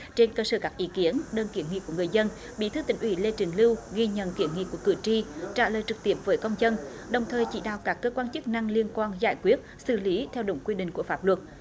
trên cơ sở các ý kiến đơn kiến nghị của người dân bí thư tỉnh ủy lê tiền lưu ghi nhận kiến nghị của cử tri trả lời trực tiếp với công dân đồng thời chỉ đạo các cơ quan chức năng liên quan giải quyết xử lý theo đúng quy định của pháp luật